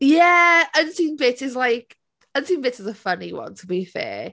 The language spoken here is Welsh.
Ie! Unseen Bits is like... Unseen Bits is a funny one to be fair.